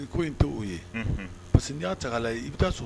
e ko in t'o ye, unhun, parce que n'i y'a ta k'a lajɛ i bɛ ta'a sɔ